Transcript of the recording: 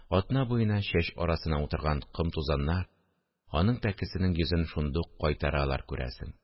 Атна буена чәч арасына утырган ком-тузаннар аның пәкесенең йөзен шунда ук кайтаралар, күрәсең